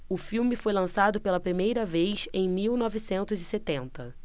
o filme foi lançado pela primeira vez em mil novecentos e setenta